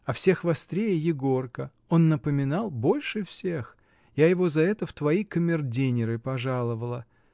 А всех вострее Егорка: он напоминал больше всех: я его за это в твои камердинеры пожаловала.